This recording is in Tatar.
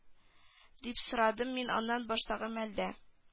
Дип сорадым мин аннан баштагы мәлдә